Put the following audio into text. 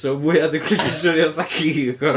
So, mwya dwi'n gallu swnio fatha ci, y gorau!